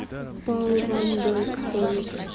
paul van duke исполнитель